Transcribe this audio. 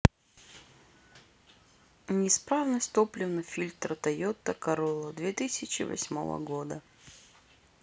неисправность топливного фильтра тойота королла две тысячи восьмого года